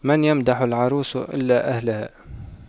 من يمدح العروس إلا أهلها